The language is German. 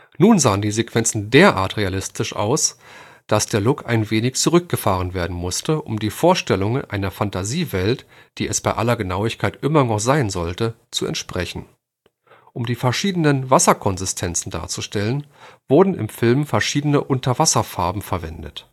Nun sahen die Sequenzen derart realistisch aus, dass der Look ein wenig zurückgefahren werden musste, um den Vorstellungen einer Fantasiewelt, die es bei aller Genauigkeit immer noch sein sollte, zu entsprechen. Um die verschiedenen Wasserkonsistenzen darzustellen, wurden im Film verschiedene Unterwasserfarben verwendet